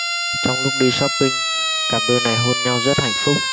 trong lúc đi shopping cặp đôi này hôn nhau rất hạnh phúc